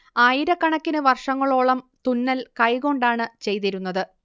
ആയിരക്കണക്കിന് വർഷങ്ങളോളം തുന്നൽ കൈകൊണ്ടാണ് ചെയ്തിരുന്നത്